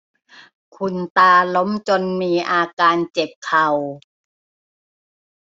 คุณตาล้มจนมีอาการเจ็บเข่า